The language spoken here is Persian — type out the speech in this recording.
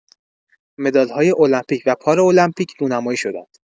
مدال‌های المپیک و پارالمپیک رونمایی شدند.